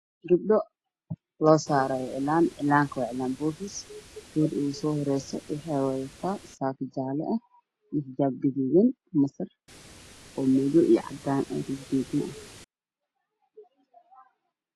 Gabdho loo saarayo cillaans ah gabadha ugu soo horeyso waxay wadataa ko cagaara iyo traaxad midooday